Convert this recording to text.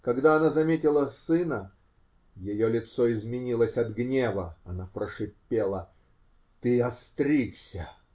Когда она заметила сына, ее лицо изменилось от гнева, она прошипела: -- Ты остригся?